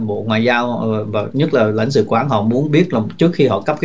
bộ ngoại giao bậc nhất lời lãnh sự quán họ muốn biết lòng trước khi họ cấp